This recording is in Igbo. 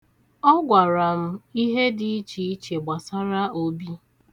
Ọ gwara m ihe dị ichiiche gbasara Obi.